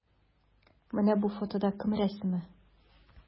Менә бу фотода кем рәсеме?